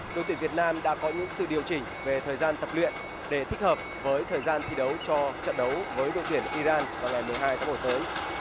đội tuyển việt nam đã có những sự điều chỉnh về thời gian tập luyện để thích hợp với thời gian thi đấu cho trận đấu với đội tuyển i ran vào ngày mười hai tháng một tới